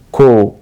Ko